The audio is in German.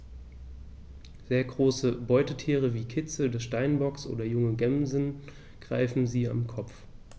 Sehr große Beutetiere wie Kitze des Steinbocks oder junge Gämsen greifen sie am Kopf.